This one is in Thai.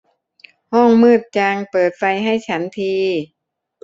ห้องมืดจังเปิดไฟให้ฉันที